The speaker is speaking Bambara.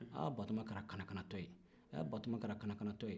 aa batoma kɛra kana-kanatɔ ye aa batoma kɛra kana-kanatɔ ye